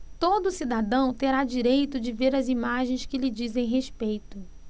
todo cidadão terá direito de ver as imagens que lhe dizem respeito